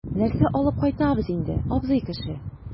Нәрсә алып кайтабыз инде, абзый кеше?